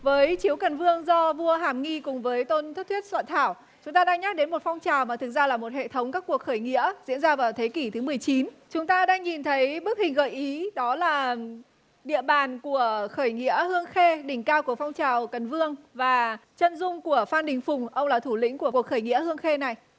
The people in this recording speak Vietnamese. với chiếu cần vương do vua hàm nghi cùng với tôn thất thuyết soạn thảo chúng ta đang nhắc đến một phong trào và thực ra là một hệ thống các cuộc khởi nghĩa diễn ra vào thế kỷ thứ mười chín chúng ta đang nhìn thấy bức hình gợi ý đó là địa bàn của khởi nghĩa hương khê đỉnh cao của phong trào cần vương và chân dung của phan đình phùng ông là thủ lĩnh của cuộc khởi nghĩa hương khê này